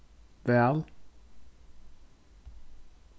væl